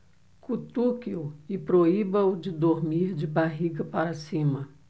cutuque-o e proíba-o de dormir de barriga para cima